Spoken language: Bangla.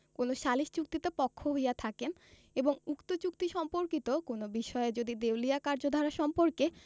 কোন সালিস চুক্তিতে পক্ষ হইয়া থাকেন এবং উক্ত চুক্তি সম্পর্কিত কোন বিষয়ে যদি দেউলিয়া কার্যধারা সম্পর্কে